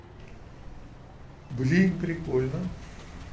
блин прикольно